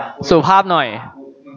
สุภาพหน่อย